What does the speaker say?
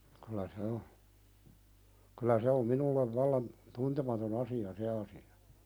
kyllä se on kyllä se on minulle vallan tuntematon asia se asia